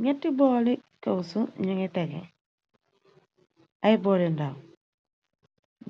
Njehti borlu sauce su njungy tehgeh, aiiy borl yu ndaw,